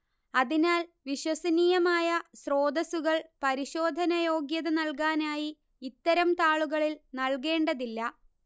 അതിനാൽ വിശ്വസനീയമായ സ്രോതസ്സുകൾ പരിശോധന യോഗ്യത നൽകാനായി ഇത്തരം താളുകളിൽ നൽകേണ്ടതില്ല